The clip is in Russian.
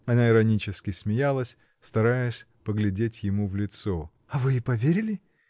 Она иронически засмеялась, стараясь поглядеть ему в лицо. — А вы и поверили?